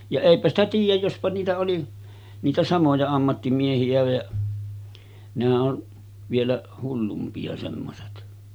ja eipä sitä tiedä jospa niitä oli niitä samoja ammattimiehiä ja nehän on vielä hullumpia semmoiset